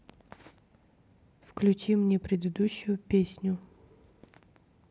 включи мне предыдущую песню